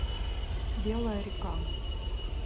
белая река